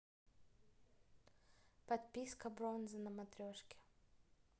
подписка бронза на матрешке